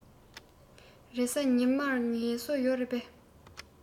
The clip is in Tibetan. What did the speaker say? རེས གཟའ ཉི མར ངལ གསོ ཡོད རེད པས